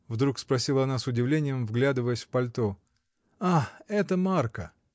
— вдруг спросила она с удивлением, вглядываясь в пальто. — Ах, это Марка.